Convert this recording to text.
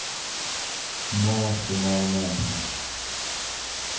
новости на армянском